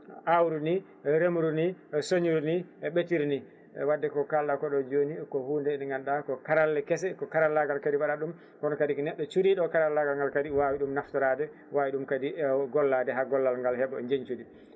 awru ni remru ni soñir ni ɓetir ni e wadde ko kalɗa koɗo joni ko hunde nde ganduɗa ko karelle keese ko karallagal kadi waɗata ɗum kono kadi ko neɗɗo cuuriɗo karallagal ngal kadi wawi ɗum naftorade wawi ɗum kadi gollade ha gollal ngal heeɓa jenccudi